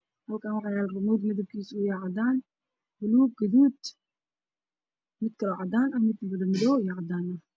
Halkaan waxaa yaalo hormuud midabkiisu uu yahay cadaan, buluug iyo gaduud, mid kaloo cadaan ah, mid madow iyo cadaan ah.